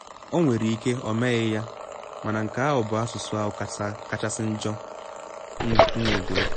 Ọ nwere ike ọ meghị ya, mana nke ahụ bụ asụsụ ahụ kachasị njọ m hụgoro.”